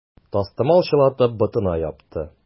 Тастымал чылатып, ботына япты.